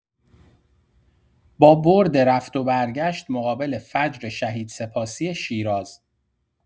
با برد رفت و برگشت مقابل فجر شهید سپاسی شیراز